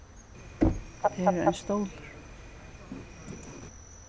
tað er ein stólur